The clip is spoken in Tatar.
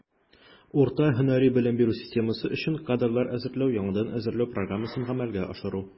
Урта һөнәри белем бирү системасы өчен кадрлар әзерләү (яңадан әзерләү) программасын гамәлгә ашыру.